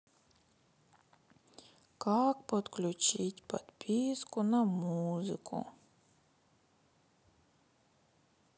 как подключить подписку на музыку